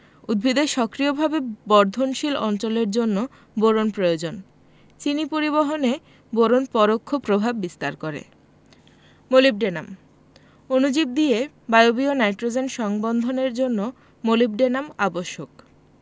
উদ্ভিদের সক্রিয়ভাবে বর্ধনশীল অঞ্চলের জন্য বোরন প্রয়োজন চিনি পরিবহনে বোরন পরোক্ষ প্রভাব বিস্তার করে মোলিবডেনাম অণুজীব দিয়ে বায়বীয় নাইট্রোজেন সংবন্ধনের জন্য মোলিবডেনাম আবশ্যক